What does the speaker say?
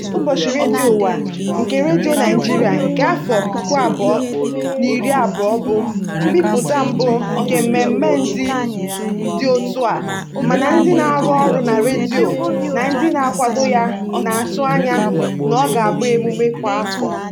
Ụbọchị Redio Ụwa nke Redio Naịjirịa nke afọ 2020 bụ mbipụta mbụ nke mmemme ndị dị otu a mana ndị na-arụ ọrụ na redio na ndị na-akwado ya na-atụ anya na ọ ga-abụ emume kwa afọ.